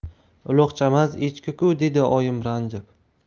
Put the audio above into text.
uloqchamas echki ku dedi oyim ranjib